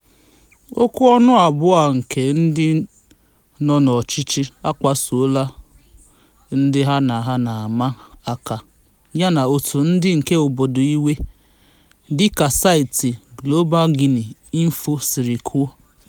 Okwu ọnụ abụọ a nke ndị nọ n'ọchịchị akpasukwuola ndị ha na ha na-ama aka yana òtù ndị nke obodo iwe, dị ka saịti globalguinee.info siri kwuo: